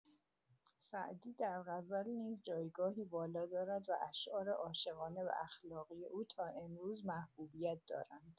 سعدی در غزل نیز جایگاهی والا دارد و اشعار عاشقانه و اخلاقی او تا امروز محبوبیت دارند.